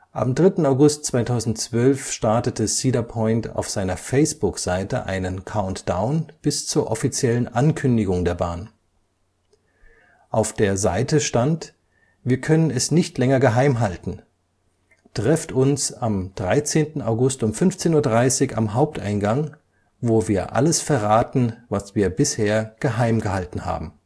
Am 3. August 2012 startete Cedar Point auf seiner Facebook-Seite einen Countdown bis zur offiziellen Ankündigung der Bahn. Auf der Seite stand: „ Wir können es nicht länger geheim halten... Trefft uns am 13. August um 15.30 Uhr am Haupteingang, wo wir alles verraten, was wir bisher geheim gehalten haben